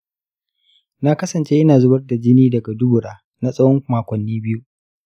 na kasance ina zubar da jini daga dubura na tsawon makonni biyu.